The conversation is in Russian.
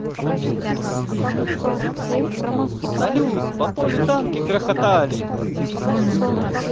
салют по полю танки грохотали